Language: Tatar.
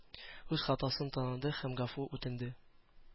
Үз хатасын таныды һәм гафу үтенде.